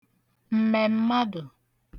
m̀mẹ̀mmadụ̀